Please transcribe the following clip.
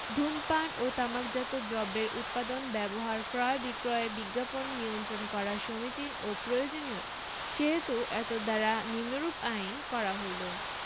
ধূমপান ও তামাকজাত দ্রব্যের উৎপাদন ব্যবহার ক্রয় বিক্রয় ও বিজ্ঞাপন নিয়ন্ত্রণ করা সমীচীন ও প্রয়োজনীয় সেহেতু এতদ্বারা নিম্নরূপ আইন করা হইল